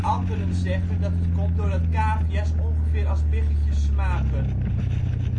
Anderen zeggen dat het komt doordat cavia 's ongeveer als biggetjes smaken. [bron?]